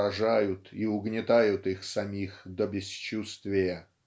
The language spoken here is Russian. поражают и угнетают их самих до бесчувствия".